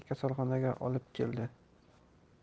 kasalxonaga olib keldi